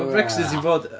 Oedd Brexit i fod.